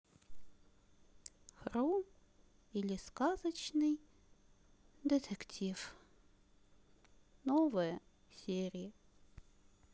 хрум или сказочный детектив новая серия